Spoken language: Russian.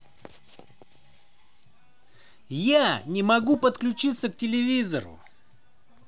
я не могу подключиться к телевизору